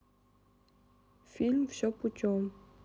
фильм все путем